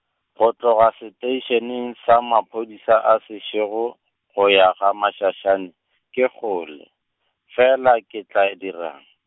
go tloga seteišeneng sa maphodisa a Seshego, go ya gaMashashane ke kgole, fela ke tla dirang?